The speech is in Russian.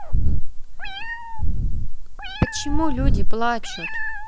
почему люди плачут